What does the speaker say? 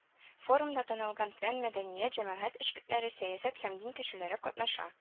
Форумда танылган фән, мәдәният, җәмәгать эшлекләре, сәясәт һәм дин кешеләре катнаша.